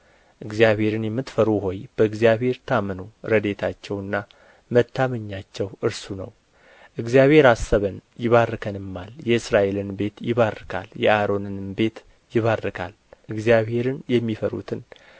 እግዚአብሔርን የምትፈሩ ሆይ በእግዚአብሔር ታመኑ ረድኤታቸውና መታመኛቸው እርሱ ነው እግዚአብሔር አሰበን ይባርከንማል የእስራኤልን ቤት ይባረካል የአሮንንም ቤት ይባረካል እግዚአብሔርን የሚፈሩትን